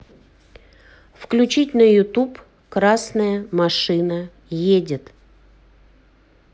включить на ютуб красная машина едет